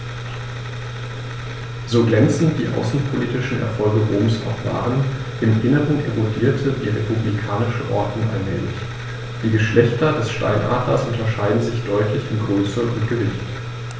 So glänzend die außenpolitischen Erfolge Roms auch waren: Im Inneren erodierte die republikanische Ordnung allmählich. Die Geschlechter des Steinadlers unterscheiden sich deutlich in Größe und Gewicht.